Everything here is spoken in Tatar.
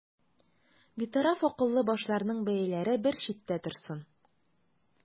Битараф акыллы башларның бәяләре бер читтә торсын.